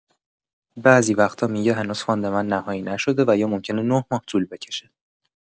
بعضی وقتا می‌گه هنوز فاند من نهایی نشده و یا ممکنه ۹ ماه طول بکشه.